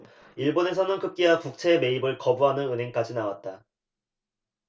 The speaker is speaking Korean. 일본에서는 급기야 국채의 매입을 거부하는 은행까지 나왔다